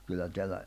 kyllä täällä